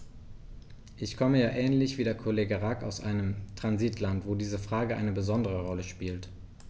Ich komme ja ähnlich wie der Kollege Rack aus einem Transitland, wo diese Frage eine besondere Rolle spielt.